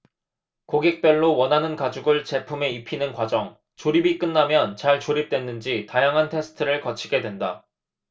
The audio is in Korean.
고객별로 원하는 가죽을 제품에 입히는 과정 조립이 끝나면 잘 조립 됐는지 다양한 테스트를 거치게 된다